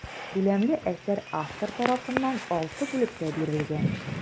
Күләмле әсәр автор тарафыннан алты бүлектә бирелгән.